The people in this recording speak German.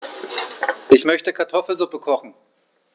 Ich möchte Kartoffelsuppe kochen.